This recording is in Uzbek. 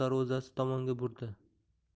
darvozasi tomonga burdi